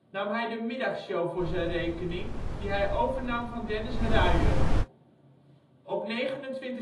nam hij de middagshow voor zijn rekening, die hij overnam van Dennis Ruyer. Op 29 juli 2010